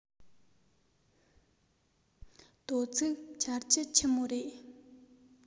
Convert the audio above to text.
དོ ཚིགས ཆར ཆུ ཆི མོ རེད